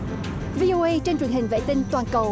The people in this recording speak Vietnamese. vi ô ây trên truyền hình vệ tinh toàn cầu